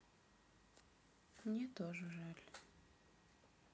мне тоже жаль